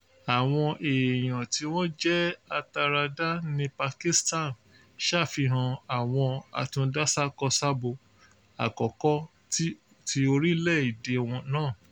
Àwọn èèyàn tó wọ́n jẹ́ atáradá ní Pakistan ṣàfihàn àwọn Àtúndásákosábo àkọ́kọ́ tí orílẹ̀-èdè náà